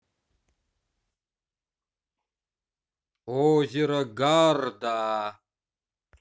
озеро гарда